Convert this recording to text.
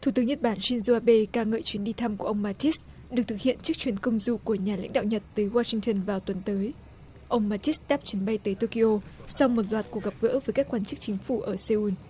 thủ tướng nhật bản sin dô a bê ca ngợi chuyến đi thăm của ông ma tít được thực hiện trước chuyến công du của nhà lãnh đạo nhật từ goa sinh tơn vào tuần tới ông ma tít đáp chuyến bay tới to ky o sau một loạt cuộc gặp gỡ với các quan chức chính phủ ở xê un